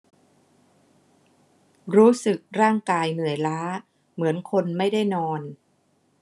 รู้สึกร่างกายเหนื่อยล้าเหมือนคนไม่ได้นอน